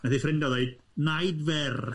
Wnaeth ei ffrind o ddweud, naid fer.